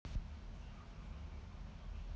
а ты тупая